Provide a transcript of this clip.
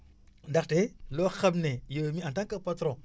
ndaxte loo xam ne yow mii en tant que patron